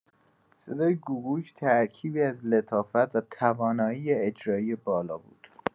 صدای گوگوش ترکیبی از لطافت و توانایی اجرایی بالا بود.